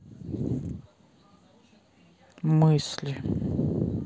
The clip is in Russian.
мысли